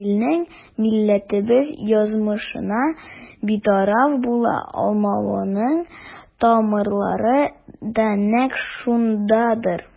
Равилнең милләтебез язмышына битараф була алмавының тамырлары да нәкъ шундадыр.